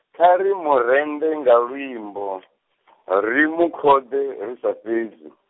kha ri murenzhe nga luimbo ri mukhode ri sa fhedzi.